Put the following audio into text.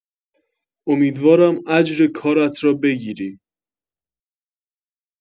امیدوارم اجر کارت را بگیری.